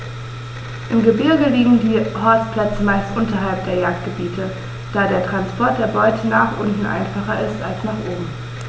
Im Gebirge liegen die Horstplätze meist unterhalb der Jagdgebiete, da der Transport der Beute nach unten einfacher ist als nach oben.